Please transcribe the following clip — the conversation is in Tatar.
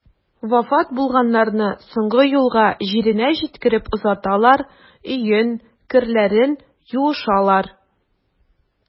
Вафат булганнарны соңгы юлга җиренә җиткереп озаталар, өен, керләрен юышалар.